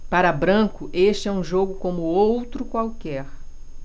para branco este é um jogo como outro qualquer